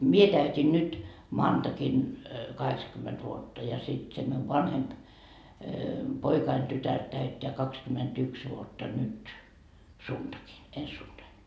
minä täytin nyt maanantaina kahdeksankymmentä vuotta ja sitten se minun vanhempi poikani tytär täyttää kaksikymmentäyksi vuotta nyt sunnuntaina ensi sunnuntaina